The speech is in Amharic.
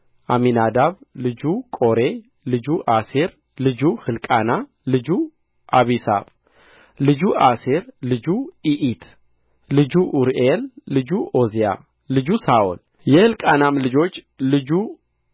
አሚናዳብ ልጁ ቆሬ ልጁ አሴር ልጁ ሕልቃና ልጁ አቢሳፍ ልጁ አሴር ልጁ ኢኢት ልጁ ኡሩኤል ልጁ ዖዝያ ልጁ ሳውል የሕልቃናም ልጆች አማሢ አኪሞት የሕልቃናም ልጆች ልጁ